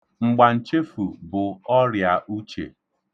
Mgbanchefu bụ ọrịa uche.